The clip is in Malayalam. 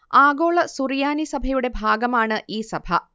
ആഗോള സുറിയാനി സഭയുടെ ഭാഗമാണ് ഈ സഭ